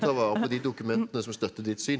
ta vare på de dokumentene som støtter ditt syn.